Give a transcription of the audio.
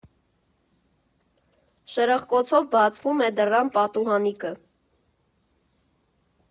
Շրխկոցով բացվում է դռան պատուհանիկը։